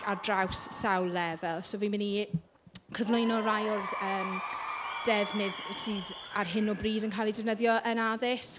Ar draws sawl lefel. So fi'n mynd i cyflwyno rai o'r yym defnydd sydd ar hyn o bryd yn cael eu defnyddio yn addysg. So